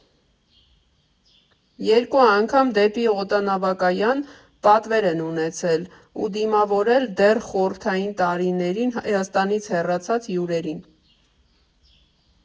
Երկու անգամ դեպի օդանավակայան պատվեր են ունեցել ու դիմավորել դեռ խորհրդային տարիներին Հայաստանից հեռացած հյուրերին։